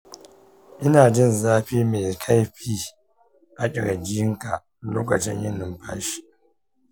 ina jin jin zafi mai kaifi a ƙirjinka lokacin yin numfashi.